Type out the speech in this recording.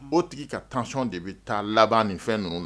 O tigi ka tension de bɛ taa laban nin fɛn ninnu na